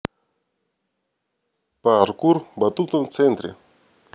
паркур в батутном центре